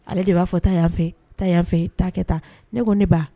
Ale de b'a fɔ ta yan fɛ ta yan fɛ taa kɛ taa ne ko ne ba